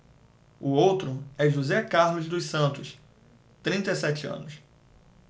o outro é josé carlos dos santos trinta e sete anos